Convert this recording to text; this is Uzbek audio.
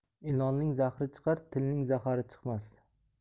ilonning zahri chiqar tilning zahari chiqmas